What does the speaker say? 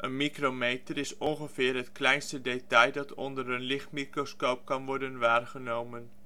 micrometer is: ongeveer het kleinste detail dat onder een lichtmicroscoop kan worden waargenomen